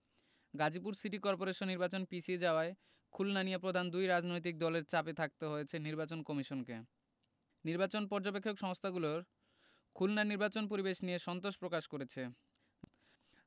Gazipur city corporation নির্বাচন পিছিয়ে যাওয়ায় খুলনা নিয়ে প্রধান দুই রাজনৈতিক দলের চাপে থাকতে হয়েছে নির্বাচন কমিশনকে নির্বাচন পর্যবেক্ষক সংস্থাগুলোর খুলনার নির্বাচনী পরিবেশ নিয়ে সন্তোষ প্রকাশ করেছে